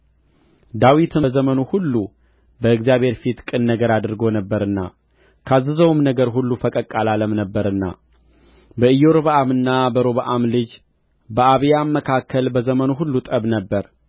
ዳዊት በዘመኑ ሁሉ በእግዚአብሔር ፊት ቅን ነገር አድርጎ ነበርና ካዘዘውም ነገር ሁሉ ፈቀቅ አላለም ነበርና በኢዮርብዓምና በሮብዓም ልጅ በአብያም መካከል በዘመኑ ሁሉ ጠብ ነበረ